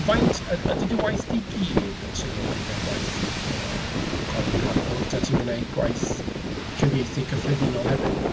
Faint yd- ydy dy waith di i gyd yn seiliedig ar gwaith, yy, colur a harddwch? Ta ti'n gwneud gwaith cyfieithu cyffredinol hefyd?